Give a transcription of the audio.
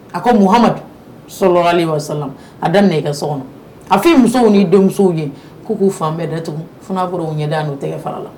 A ko muhamadu soralen wasala a daminɛ i ka so kɔnɔ a fɔ musoww n' denmuso ye k' k'u fan bɛɛ dat'a fɔra ɲɛda n' tɛgɛ fara la